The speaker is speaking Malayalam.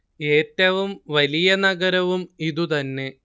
ഏറ്റവും വലിയ നഗരവും ഇതു തന്നെ